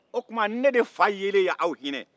o tuma ne de fa yelen ye aw hinɛ